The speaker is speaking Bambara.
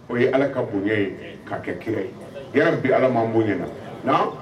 O ye ala ka bonya ye ka kɛ kira ye g bɛ ala ma bo na